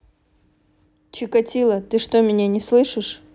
чикатило ты что меня не слышишь